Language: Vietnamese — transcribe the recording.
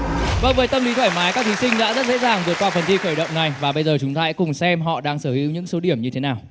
vâng với tâm lý thoải mái các thí sinh đã rất dễ dàng vượt qua phần thi khởi động này và bây giờ chúng ta hãy cùng xem họ đang sở hữu những số điểm như thế nào